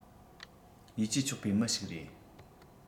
ཡིད ཆེས ཆོག པའི མི ནི ཞིག རེད